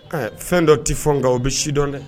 Ɛɛ fɛn dɔ ti fɔ nka o bɛ sidɔn dɛ